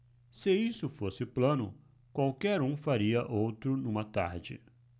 se isso fosse plano qualquer um faria outro numa tarde